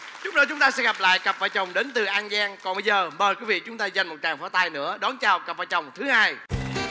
chút nữa chúng ta sẽ gặp lại cặp vợ chồng đến từ an giang còn bây giờ mời quý vị chúng ta dành một tràng pháo tay nữa đón chào cặp vợ chồng thứ hai